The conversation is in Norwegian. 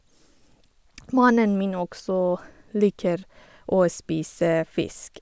Mannen min også liker å spise fisk.